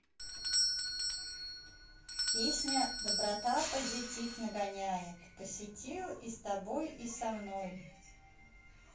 песня доброта позитив нагоняет посетил и с тобой и со мной